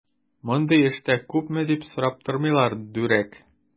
Мондый эштә күпме дип сорап тормыйлар, дүрәк!